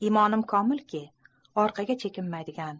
imonim komilki